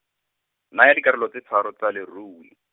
naya dikarolo tse tharo tsa lerui.